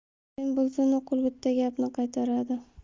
oyim bo'lsa nuqul bitta gapni qaytaradi